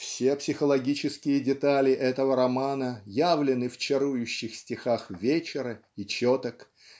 Все психологические детали этого романа явлены в чарующих стихах "Вечера" и "Четок"